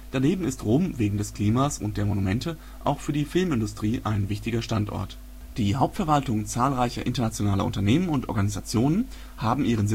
Daneben ist Rom wegen des Klimas und der Monumente auch für die Filmindustrie ein wichtiger Standort. Die Hauptverwaltungen zahlreicher internationaler Unternehmen und Organisationen haben ihren